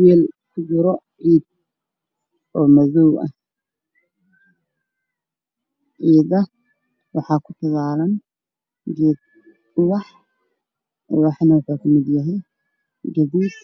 Weel kujiro ciid oo madow ah ciida waxaa ku talaalan geed ubax ubaxana waxa uu kamid yahe Gaduud